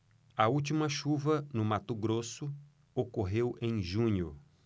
a última chuva no mato grosso ocorreu em junho